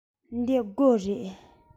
འདི སྒོ རེད